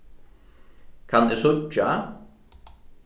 kann eg síggja